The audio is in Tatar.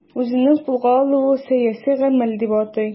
Үзенең кулга алынуын сәяси гамәл дип атый.